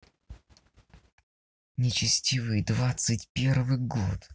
нечестивые двадцать первый год